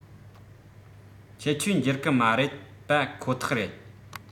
ཁྱད ཆོས འགྱུར གི མ རེད པ ཁོ ཐག རེད